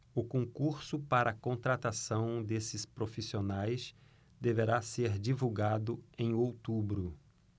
o concurso para contratação desses profissionais deverá ser divulgado em outubro